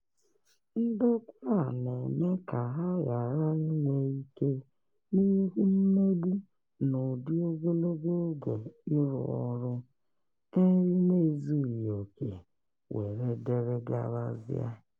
Ndokwa a na-eme ka ha ghara inwe íké n'ihu mmegbu n'ụdị ogologo oge ịrụ ọrụ, nri na-ezughị oke, wdgz.